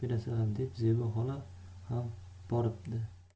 berasanlar deb zebi xola ham boribdi